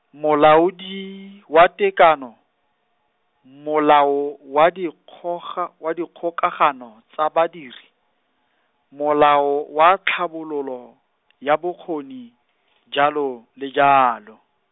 molaodi wa Tekano, Molao wa Dikgoga- wa Dikgokagano tsa badiri, Molao wa Tlhabololo, ya bokgoni jalo, le jalo.